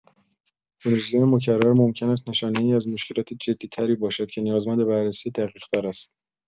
خونریزی‌های مکرر ممکن است نشانه‌ای از مشکلات جدی‌تری باشد که نیازمند بررسی دقیق‌تر است.